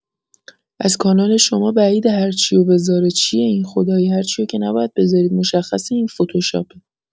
از کانال شما بعیده هرچیو بزاره چیه این خدایی هرچیو که نباید بزارید مشخصه این فتوشاپه